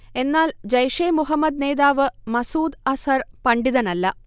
എന്നാൽ ജയ്ഷെ മുഹമ്മദ് നേതാവ് മസ്ഊദ് അസ്ഹർ പണ്ഡിതനല്ല